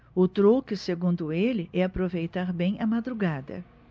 o truque segundo ele é aproveitar bem a madrugada